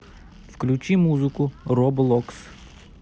включи музыку роблокс